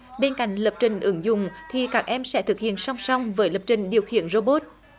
bên cạnh lập trình ứng dụng thì các em sẽ thực hiện song song với lập trình điều khiển rô bốt